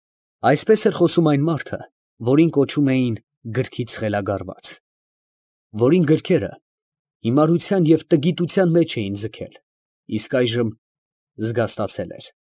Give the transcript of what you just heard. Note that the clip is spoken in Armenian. Այսպես էր խոսում այն մարդը, որին կոչում էին «գրքից խելագարված», որին գրքերը հիմարության և տգիտության մեջ էին ձգել, իսկ այժմ զգաստացել էր։